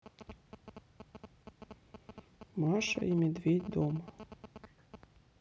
маша и медведь дома